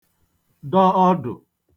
dọ ọdụ̀